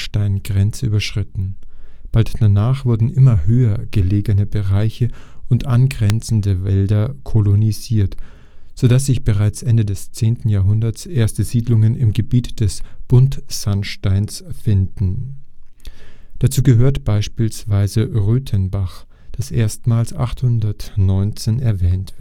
Buntsandsteingrenze “überschritten. Bald danach wurden immer höher gelegene Bereiche und angrenzende Wälder kolonisiert, so dass sich bereits Ende des 10. Jahrhunderts erste Siedlungen im Gebiet des Buntsandsteins finden. Dazu gehört beispielsweise Rötenbach, das erstmals 819 erwähnt